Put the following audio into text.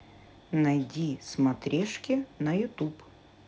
найди смотрешка на ютуб